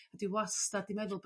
Dwi wastad 'di meddwl...